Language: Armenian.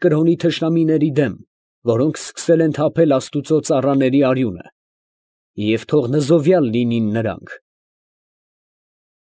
Կրոնի թշնամիների դեմ, որոնք սկսել են թափել աստուծո ծառաների արյունը։ (Եվ թո՛ղ նզովյա՜լ լինին նրանք)։